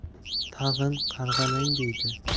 tag'in qarg'amang deydi